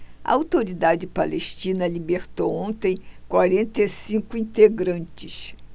a autoridade palestina libertou ontem quarenta e cinco integrantes